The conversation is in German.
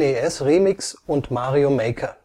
NES Remix und Mario Maker